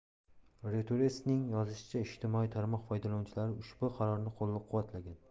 reuters'ning yozishicha ijtimoiy tarmoq foydalanuvchilari ushbu qarorni qo'llab quvvatlagan